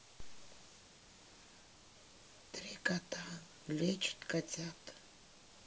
три кота лечат котят